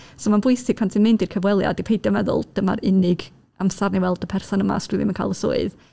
So mae'n bwysig pan ti'n mynd i'r cyfweliad i peidio meddwl "Dyma'r unig amser wna i weld y person yma os dwi ddim yn cael y swydd".